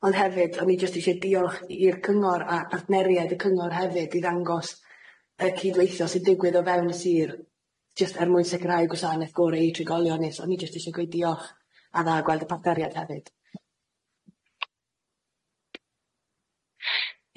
ond hefyd o'n i jyst ishe diolch i i'r cyngor a partneried y cyngor hefyd i ddangos y cydweitho sy'n digwydd o fewn y sir jyst er mwyn sicirhau gwasaneth gore i trigolion ni so o'n i jyst ishe gweud diolch a dda gweld y partneriaid hefyd.